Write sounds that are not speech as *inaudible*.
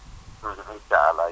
*hesitation* *hesitation* incha ar allah